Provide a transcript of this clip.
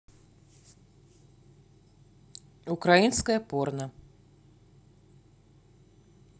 украинское порно